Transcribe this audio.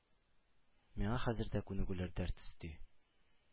Миңа хәзер дә күнегүләр дәрт өсти,